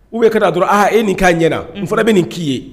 Ou bien i ka na dɔrɔnw e ye nin kɛ a ɲana, unhun, n fana bɛ nin k'i ye